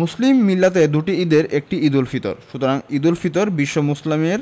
মুসলিম মিল্লাতের দুটি ঈদের একটি ঈদুল ফিতর সুতরাং ঈদুল ফিতর বিশ্ব মুসলিমের